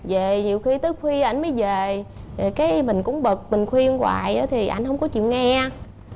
về nhiều khi tới khuya ảnh mới về thì cái mình cũng bực mình kêu goài thì ảnh không có chịu nghe